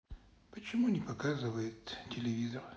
почему не показывает телевизор